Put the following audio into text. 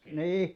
niin